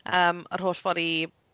Yym yr holl ffor' i...